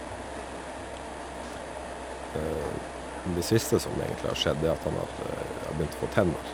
Det siste som egentlig har skjedd er at han har har begynt å få tenner.